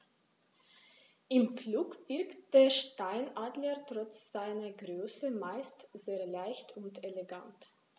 Im Flug wirkt der Steinadler trotz seiner Größe meist sehr leicht und elegant.